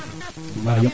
tem de ngoliro yo de